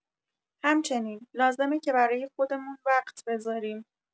همچنین، لازمه که برای خودمون وقت بذاریم.